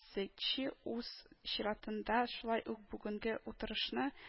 Цзечи, үз чиратында, шулай ук бүгенге утырышны